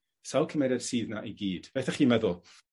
Sawl cymered sydd 'na i gyd beth dach chi'n meddwl?